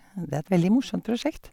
Det er et veldig morsomt prosjekt.